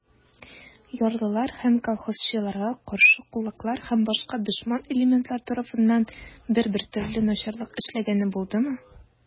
Ярлылар һәм колхозчыларга каршы кулаклар һәм башка дошман элементлар тарафыннан бер-бер төрле начарлык эшләнгәне булдымы?